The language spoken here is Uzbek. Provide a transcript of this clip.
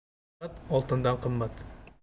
haqiqat oltindan qimmat